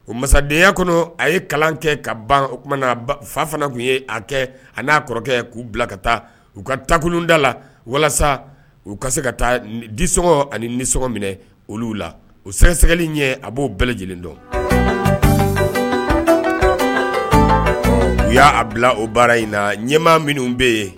O masadenyaya kɔnɔ a ye kalan kɛ ka ban oumana fa fana tun ye a kɛ n'a kɔrɔkɛ k'u bila ka taa u ka takuluda la walasa u ka se ka taa disɔngɔ ani nisɔn nisɔngɔ minɛ olu la u sɛgɛsɛgɛli ɲɛ a b'o bɛɛ lajɛlen dɔn u y'a bila o baara in na ɲɛmaa minnu bɛ yen